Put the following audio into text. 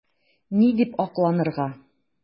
Ни дип акланырга?